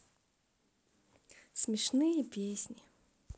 смешные песни